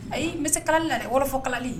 Ayi n bɛ se kalali la dɛ. Wɔlɔfɔ kalali.